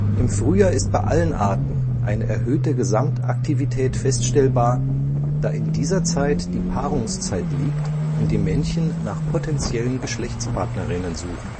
Im Frühjahr ist bei allen Arten eine erhöhte Gesamtaktivität feststellbar, da in dieser Zeit die Paarungszeit liegt und die Männchen nach potentiellen Geschlechtspartnerinnen suchen